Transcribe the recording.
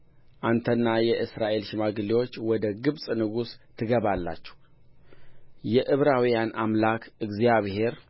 አንተና የእስራኤል ሽማግሌዎች ወደ ግብፅ ንጉሥ ትገባላችሁ የዕብራውያን አምላክ እግዚአብሔር